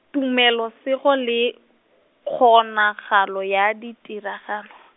Tumelesego, le kgonagalo ya ditiragalo.